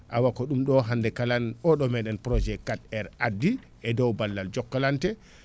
awo ko ɗum ɗo hande kala kalen oɗo meɗen projet quatre aire addi e dow ballal jokalante